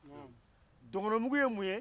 donkɔnɔmugu ye mun ye